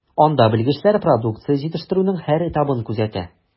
Анда белгечләр продукция җитештерүнең һәр этабын күзәтә.